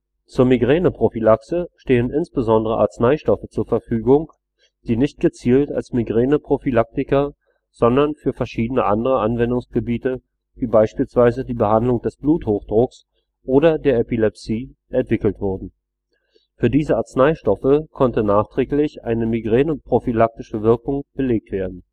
Zur Migräneprophylaxe stehen insbesondere Arzneistoffe zur Verfügung, die nicht gezielt als Migräneprophylaktika sondern für verschiedene andere Anwendungsgebiete, wie beispielsweise die Behandlung des Bluthochdrucks oder der Epilepsie, entwickelt wurden. Für diese Arzneistoffe konnte nachträglich eine migräneprophylaktische Wirkung belegt werden